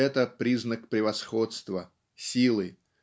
это признак превосходства силы